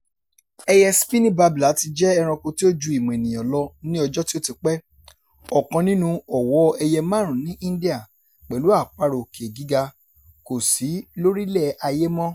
Ẹyẹ Spiny Babbler ti jẹ́ ẹranko tí ó ju ìmọ̀ ènìyàn lọ ní ọjọ́ tí ó ti pẹ́, ọ̀kan nínú ọ̀wọ̀ ẹyẹ márùn-ún ní India, pẹ̀lú Àparò Òkè gíga, kò sí lórílẹ̀ ayé mọ́n.